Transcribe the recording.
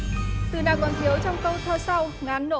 từ nào còn thiếu trong câu thơ sau ngán nỗi